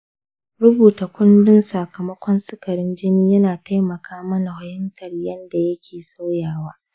rubuta kundin sakamakon sukarin jini yana taimaka mana fahimtar yadda yake sauyawa.